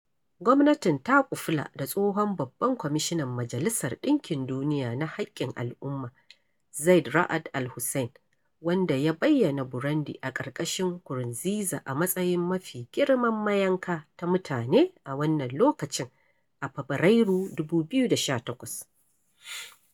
Gwamnatin ta kufula da tsohon babban kwamishinan Majalisar ɗinkin Duniya na haƙƙin al'umma, Zeid Ra'ad Al Hussein, wanda ya bayyana Burundi a ƙarƙashin Nkurunziza a matsayin "mafi girman mayanka ta mutane a wannan lokacin" a Fabarairun 2018.